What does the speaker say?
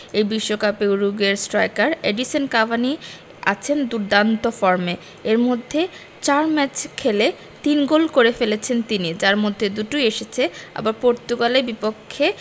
এই বিশ্বকাপে উরুগুয়ের স্ট্রাইকার এডিনসন কাভানি আছেন দুর্দান্ত ফর্মে এর মধ্যে ৪ ম্যাচে খেলে ৩ গোল করে ফেলেছেন তিনি যার মধ্যে দুটোই এসেছে আবার পর্তুগালের বিপক্ষে